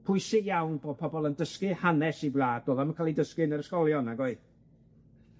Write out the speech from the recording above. Pwysig iawn bo' pobol yn dysgu hanes 'u gwlad do'dd o'm yn ca'l 'i dysgu yn yr ysgolion nag oedd?